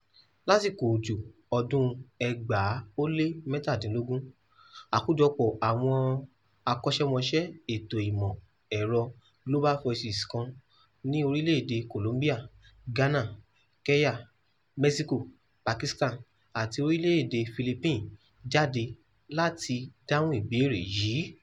Lásìkò òjò ọdún 2017, àkójọpọ̀ àwọn akọ́ṣẹ́mọṣẹ́ ẹ̀tọ́ ìmọ̀ ẹ̀rọ Global Voices kan ní orílẹ̀ èdè Colombia, Ghana, Kenya, Mexico, Pakistan àti orílẹ́ èdè Philippines jáde láti dáhùn ìbéèrè yìí.